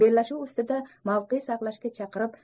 bellashuv ustida mavqe saqlashga chaqirib